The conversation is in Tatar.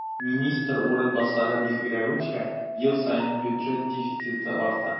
Министр урынбасары билгеләвенчә, ел саен бюджет дефициты арта.